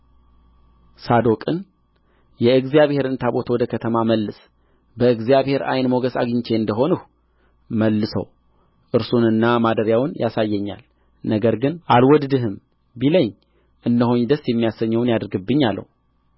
ሳዶቅን የእግዚአብሔርን ታቦት ወደ ከተማ መልስ በእግዚአብሔር ዓይን ሞገስ አግኝቼ እንደ ሆንሁ መልሶ እርሱንና ማደሪያውን ያሳየኛል ነገር ግን አልወድድህም ቢለኝ እነሆኝ ደስ የሚያሰኘውን ያድርግብኝ አለው